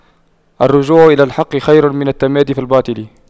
الرجوع إلى الحق خير من التمادي في الباطل